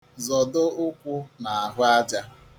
Zodo ụkwụ n'ahụaja.